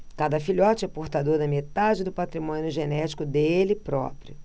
cada filhote é portador da metade do patrimônio genético dele próprio